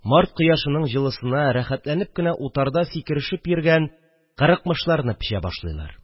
Март кояшының җылысына рәхәтләнеп кенә утарда сикерешеп йөргән кырыкмышларны печә башлыйлар